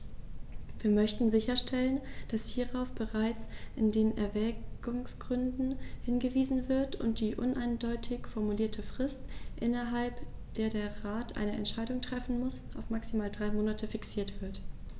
Wir möchten sicherstellen, dass hierauf bereits in den Erwägungsgründen hingewiesen wird und die uneindeutig formulierte Frist, innerhalb der der Rat eine Entscheidung treffen muss, auf maximal drei Monate fixiert wird.